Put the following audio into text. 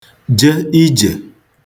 je ijè